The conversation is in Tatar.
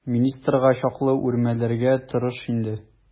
Министрга чаклы үрмәләргә тырыш инде.